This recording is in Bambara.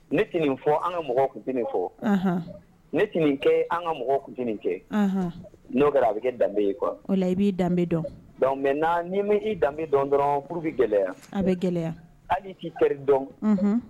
Ne tun nin fɔ an ka mɔgɔ ku ten nin fɔ ne tun nin kɛ an ka mɔgɔ ku nin kɛ n'o kɛra bɛ kɛ danbe ye kuwa wala la i b'i danbebe dɔn dɔn mɛ n na n'i ma ii danbe dɔn dɔrɔn purubi gɛlɛya an bɛ gɛlɛya hali t'i teri dɔn